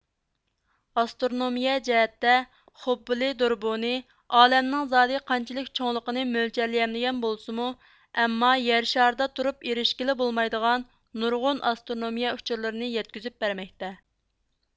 ئاسترونومىيە جەھەتتە خۇببلې دۇربۇنى ئالەمنىڭ زادى قانچىلىك چوڭلۇقىنى مۆلچەرلىيەلمىگەن بولسىمۇ ئەمما يەر شارىدا تۇرۇپ ئېرىشكىلى بولمايدىغان نۇرغۇن ئاسترونومىيە ئۇچۇرلىرىنى يەتكۈزۈپ بەرمەكتە